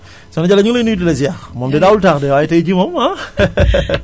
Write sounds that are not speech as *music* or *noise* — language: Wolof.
*inhales* soxna Jalle ñu ngi lay nuyu di la ziyaar moom de daawul tardé waaye tay jii moom *laughs*